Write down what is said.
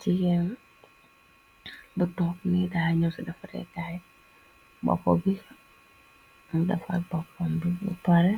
Ciyem ba topp ni dañoo sa dafa reekaay bopo bi mu dafak bapom bi bu pare